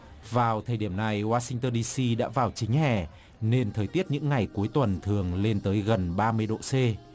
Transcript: vào thời điểm này oa xinh tơn đi xi đã vào chính hè nên thời tiết những ngày cuối tuần thường lên tới gần ba mươi độ xê